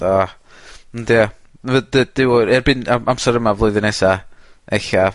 Da, ond yw e? Ma' fy- dyw o erbyn am- amser yma flwyddyn nesa, ella